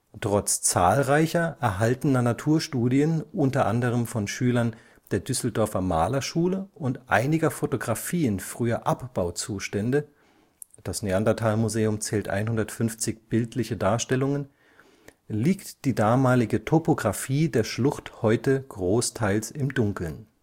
Trotz zahlreicher erhaltener Naturstudien unter anderem von Schülern der Düsseldorfer Malerschule und einiger Fotografien früher Abbauzustände (das Neanderthal Museum zählt 150 bildliche Darstellungen) liegt die damalige Topographie der Schlucht heute großenteils im Dunklen